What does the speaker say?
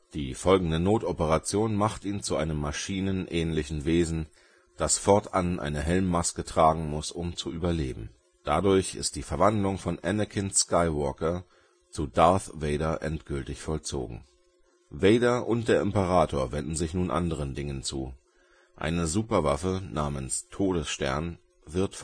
Die folgende Notoperation macht ihn zu einem maschinenähnlichen Wesen, das fortan eine Helmmaske tragen muss, um zu überleben. Dadurch ist die Verwandlung von Anakin Skywalker zu Darth Vader endgültig vollzogen. Vader und der Imperator wenden sich nun anderen Dingen zu, eine Superwaffe namens " Todesstern " wird